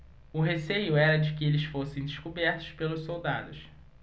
o receio era de que eles fossem descobertos pelos soldados